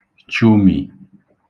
chụ̄mì